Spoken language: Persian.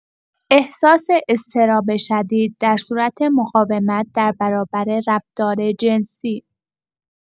احساس اضطراب شدید در صورت مقاومت در برابر رفتار جنسی